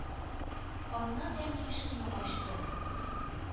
Аннан әни ишекне ачты.